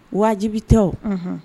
Wajibibi tɛ